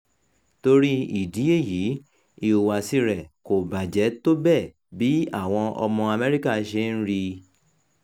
Torí ìdí èyí, ìhùwàsíi rẹ̀ kò bàjẹ́ tó bẹ́ẹ̀ bí àwọn ọmọ Amẹ́ríkà ṣe ń rí i.